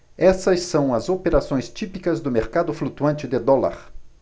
essas são as operações típicas do mercado flutuante de dólar